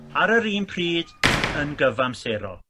ar yr un pryd yn gyfamserol